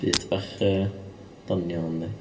Byd bach yy doniol, yndi?